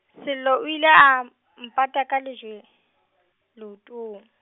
Sello o ile a m-, mpata ka lejwe, leotong.